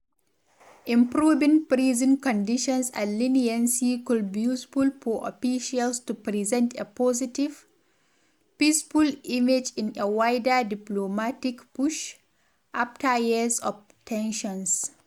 Improving prison conditions and leniency could be useful for officials to present a positive, peaceful image in a wider diplomatic push, after years of tensions.